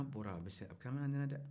a bɔra a bɛ ka kɛnɛmana nɛnɛ dɛ